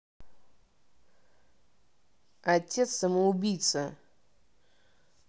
отец самоубийца